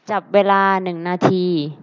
จับเวลาหนึ่งนาที